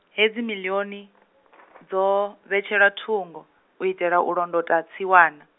hedzi miḽioni, dzo, vhetshelwa thungo, u itela u londota tsiwana.